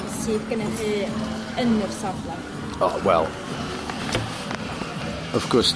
sydd gennych chi yn yr safle. O wel, wrth gwrs